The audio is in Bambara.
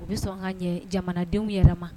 U bɛ sɔn an ka ɲɛ jamanadenw yɛrɛ ma